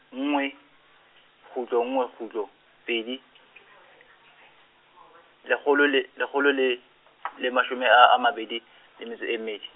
nngwe, kgutlo nngwe kgutlo, pedi , lekgolo le, lekgolo le , le mashome a a mabedi le metso e mmedi.